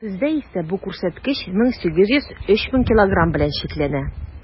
Бездә исә бу күрсәткеч 1800 - 3000 килограмм белән чикләнә.